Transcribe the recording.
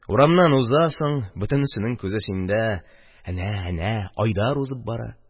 Урамнан узасың, бөтенесенең күзе синдә: «Әнә, әнә Айдар узып бара!»